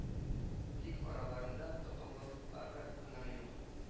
Тик араларында токымлылары гына юк